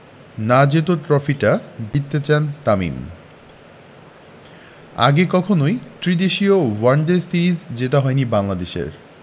না জেতা ট্রফিটা জিততে চান তামিম আগে কখনোই ত্রিদেশীয় ওয়ানডে সিরিজ জেতা হয়নি বাংলাদেশের